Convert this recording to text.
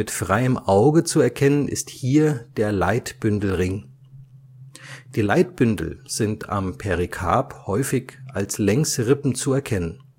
freiem Auge zu erkennen ist hier der Leitbündelring. Die Leitbündel sind am Perikarp häufig als Längsrippen zu erkennen